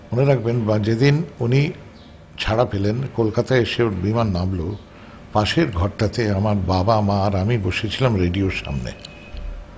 মনে রাখবেন বা যেদিন উনি ছাড়া পেলেন কলকাতায় এসে ওর বিমান নামল পাশের ঘরটাতে আমি আমার বাবা মা আর আমি বসেছিলাম রেডিওর সামনে